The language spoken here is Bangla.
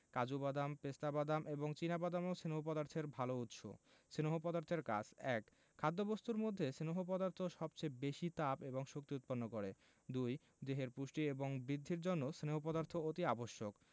কাজু বাদাম পেস্তা বাদাম এবং চিনা বাদামও স্নেহ পদার্থের ভালো উৎস স্নেহ পদার্থের কাজ ১. খাদ্যবস্তুর মধ্যে স্নেহ পদার্থ সবচেয়ে বেশী তাপ এবং শক্তি উৎপন্ন করে ২. দেহের পুষ্টি এবং বৃদ্ধির জন্য স্নেহ পদার্থ অতি আবশ্যক